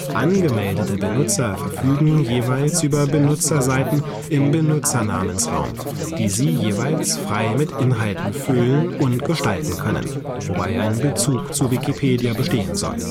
Angemeldete Benutzer verfügen jeweils über Benutzerseiten im Benutzernamensraum, die sie jeweils frei mit Inhalten füllen und gestalten können, wobei ein Bezug zu Wikipedia bestehen soll